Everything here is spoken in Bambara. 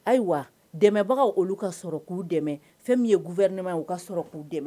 Ayiwa dɛmɛbagaw olu ka sɔrɔ k'u dɛmɛ fɛn min ye gouvernement ye o ka sɔrɔ k'u dɛmɛ